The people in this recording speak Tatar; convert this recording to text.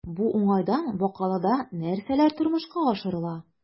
Бу уңайдан Бакалыда нәрсәләр тормышка ашырыла?